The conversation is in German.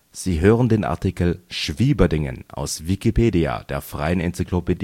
Sie hören den Artikel Schwieberdingen, aus Wikipedia, der freien Enzyklopädie